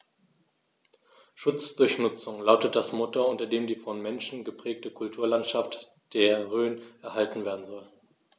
„Schutz durch Nutzung“ lautet das Motto, unter dem die vom Menschen geprägte Kulturlandschaft der Rhön erhalten werden soll.